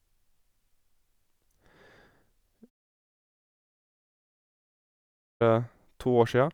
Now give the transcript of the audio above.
to år sia.